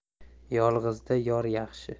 yolg'izlikda yor yaxshi